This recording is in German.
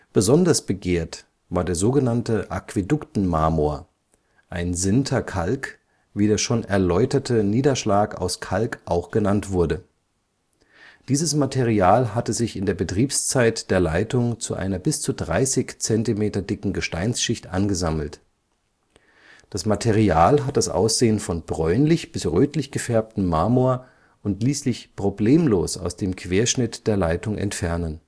Besonders begehrt war der so genannte Aquäduktenmarmor, ein Sinterkalk, wie der schon erläuterte Niederschlag aus Kalk auch genannt wurde. Dieses Material hatte sich in der Betriebszeit der Leitung zu einer bis zu 30 cm dicken Gesteinsschicht angesammelt. Das Material hat das Aussehen von bräunlich bis rötlich gefärbtem Marmor und ließ sich problemlos aus dem Querschnitt der Leitung entfernen